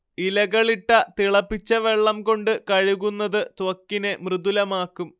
ഇലകളിട്ട തിളപ്പിച്ച വെള്ളം കൊണ്ടു കഴുകുന്നത് ത്വക്കിനെ മൃദുലമാക്കും